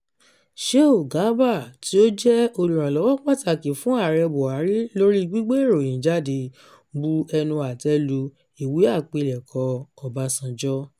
Shehu Garba, tí ó jẹ́ olùrànlọ́wọ́ pàtàkì fún Ààrẹ Buhari lórí gbígbé ìròyìn jáde, bu ẹnu àtẹ́ lu ìwé àpilẹ̀kọ Ọbásanjọ́: